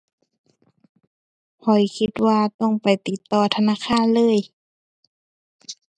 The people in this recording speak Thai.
ข้อยคิดว่าต้องไปติดต่อธนาคารเลย